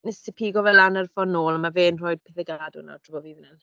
Wnes i pigo fe lan ar y ffordd nôl, a mae fe'n rhoi pethe i gadw nawr, tra bo' fi fan hyn.